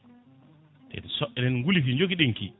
e so enen guleyki joguiɗen ki